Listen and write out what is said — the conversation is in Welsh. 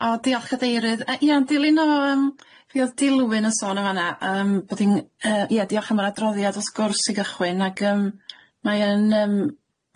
O diolch Gadeirydd, yy ia'n dilyn o yym fi o'dd Dilwyn yn sôn yn fan'na yym bod i'n yy ie diolch am yr adroddiad wrth gwrs i gychwyn ag yym mae yn yym,